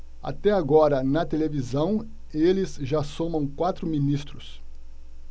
até agora na televisão eles já somam quatro ministros